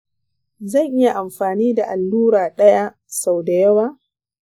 zan iya amfani da allura ɗaya sau dayawa?